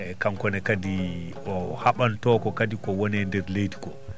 eeyi kanko ne kadi o haɓantoo ko kadi ko woni e ndeer leydi ko